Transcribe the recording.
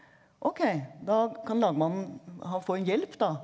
ok da kan lagmannen ha få en hjelp da.